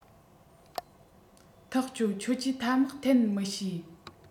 ཐག ཆོད ཁྱོད ཀྱིས ཐ མག འཐེན མི ཤེས